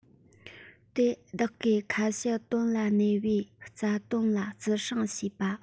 དོ བདག གིས ཁ བཤད དོན ལ གནས པའི རྩ དོན ལ བརྩི སྲུང ཞུས པ